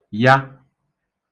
ya